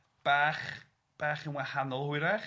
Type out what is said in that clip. bach bach yn wahanol hwyrach.